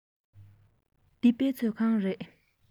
འདི དཔེ མཛོད ཁང རེད